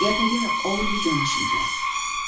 ertaga ovulga jo'nashim kerak